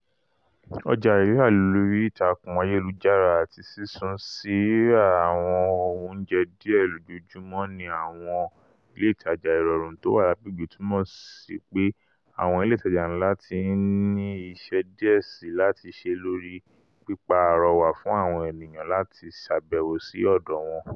Ọjà rírà lórí ìtàkùn ayélujára àti sísún sí rirá àwọn oúnjẹ díẹ̀ lojoojumọ ní àwọn ilé ìtajà ìrọ̀rùn tówà lágbègbè túmọ sípé àwọn ilé ìtajà ńlá ti ńní iṣẹ́ díẹ̀ síi láti ṣe lórí pípa àrọwà fún àwọn eniyan láti ṣàbẹ̀wo sí ọdọọ wọǹ.